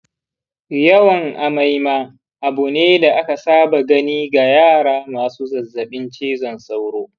yawan amai ma abu ne da aka saba gani ga yara masu zazzabin cizon sauro.